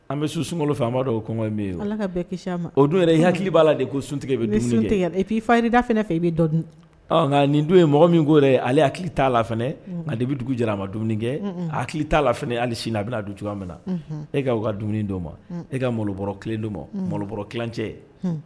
An bɛ su sun faama b o ye ala ka ma o i hakili b'a la de ko suntigii fa i da fɛ i bɛ dɔn dun nka nin dun ye mɔgɔ min' ale hakili t'a lafinɛ a de bɛ dugu jɛra a ma dumuni kɛ hakili t'a lafifinɛ hali sini a bɛna du cogoya min na e ka ka dumuni ma e ka malo kelen ma malo kelen cɛ